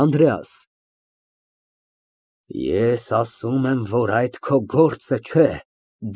ԱՆԴՐԵԱՍ ֊ Ես ասում եմ, որ այդ քո գործը չէ։